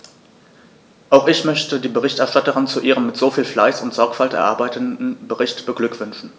Auch ich möchte die Berichterstatterin zu ihrem mit so viel Fleiß und Sorgfalt erarbeiteten Bericht beglückwünschen.